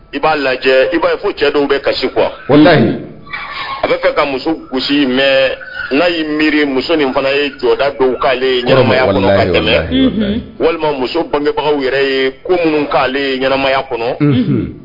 I b'a lajɛ i b'a ye fo cɛ dɔw bɛ kasi kuwa a bɛ fɛ ka muso gosisi mɛn n'a'i miiri muso ni fana ye jɔka dɔw k'alemaya kɔnɔ ka tɛmɛ walima muso bangebagaw yɛrɛ ye ko minnu k'ale ɲɛnamaya kɔnɔ